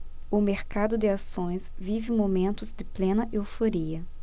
o mercado de ações vive momentos de plena euforia